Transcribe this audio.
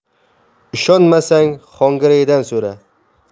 ishonmasang xongireydan so'ra